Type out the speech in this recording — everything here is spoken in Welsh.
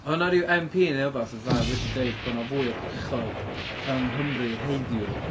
O' 'na ryw MP neu rywbeth fatha wedi dweud bod 'na fwy o gwrachod yng Nghymru heddiw...